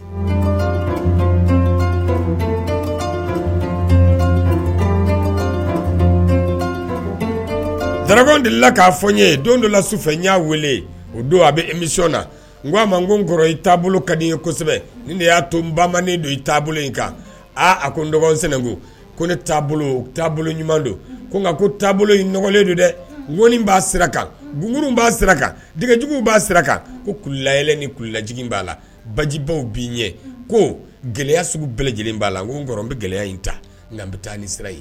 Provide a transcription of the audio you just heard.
La k'a fɔ n dɔla sufɛ y' weele o don ami n ko n i ka ye ni de y'a to don i in kan a ko n dɔgɔnin senku ko ne ɲuman nka ko taabolo in nɔgɔlen don dɛin b'a sira kan gkuru b'a sira kanjugu b'a sira kan kula ni kulaj b'a la bajibaw b'i ɲɛ ko gɛlɛya sugu bɛɛ lajɛlen b'a la n n bɛ gɛlɛya in ta nka taa ni sira